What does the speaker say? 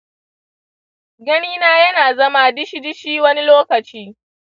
gani na yana zama dishi dishi wani lokaci.